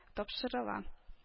Тапшырыла